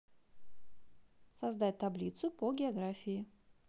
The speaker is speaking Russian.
создать таблицу по географии